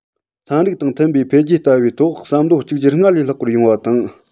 ཚན རིག དང མཐུན པའི འཕེལ རྒྱས ལྟ བའི ཐོག བསམ བློ གཅིག གྱུར སྔར ལས ལྷག པར ཡོང བ དང